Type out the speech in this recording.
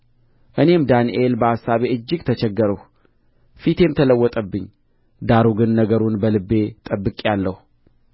እኔም ዳንኤል በአሳቤ እጅግ ተቸገርሁ ፊቴም ተለወጠብኝ ዳሩ ግን ነገሩን በልቤ ጠብቄአለሁ